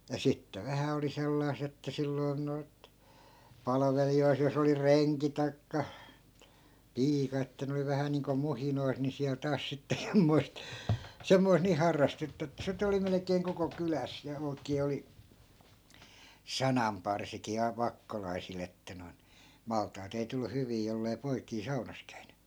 ja sitten vähän oli sellaista että silloin noita palvelijoita jos oli renki tai piika että ne oli vähän niin kuin muhinoissa niin siellä taas sitten semmoista semmoista niin harrastetta että sitten oli melkein koko kylässä ja oikein oli sananparsiakin - vakkolaisilla että noin maltaat ei tullut hyviä jos ei poikia saunassa käynyt